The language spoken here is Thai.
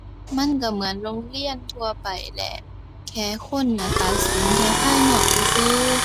มันก็เหมือนโรงเรียนทั่วไปแหละ แค่คนน่ะตัดสินแค่ภายนอกซื่อซื่อ